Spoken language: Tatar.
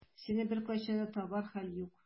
Сине беркайчан да табар хәл юк.